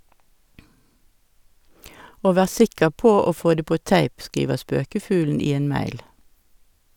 Og vær sikker på å få det på tape, skriver spøkefuglen i en mail.